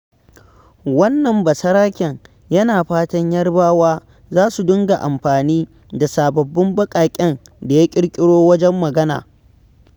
Wannan ba saraken yana fatan Yarbawa za su dinga amfani da sababbun baƙaƙen da ya ƙirƙiro wajen magana.